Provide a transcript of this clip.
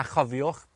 a chofiwch,